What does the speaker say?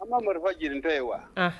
An ma marifa jiririntɔ ye wa